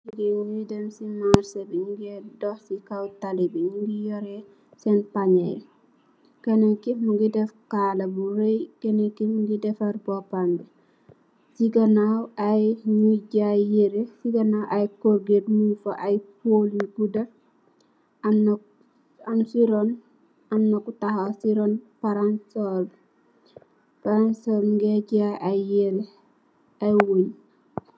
Kii mu ngi dem si marse bi di dox si marse bi, muñ si kow tallli bi, mu ngi yore pañe, kenen ki mu ngi def kaala bu rëy, kenen ki mu ngi defer boppam bi, si ganaaw am na ñuy jaay ay yire, si ganaaw ay korget ñung fa, ay pool yu gudda, am na ku taxaw si ron palansoor, palansoor yi ñu ngee jaay, ay yire ak ay weñg.